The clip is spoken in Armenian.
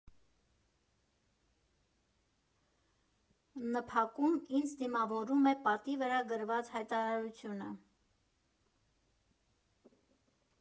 ՆՓԱԿ֊ում ինձ դիմավորում է պատի վրա գրված հայտարարությունը.